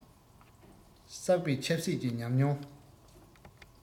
ཛ བསགས པའི ཆབ སྲིད ཀྱི ཉམས མྱོང